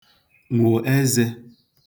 nwò ezē